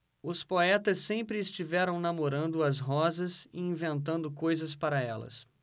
os poetas sempre estiveram namorando as rosas e inventando coisas para elas